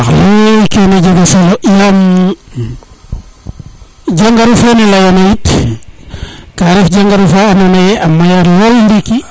xey kene jega solo yam jengaru fene leyona yit ka ref jangaru fa ando naye a maya lool ndiki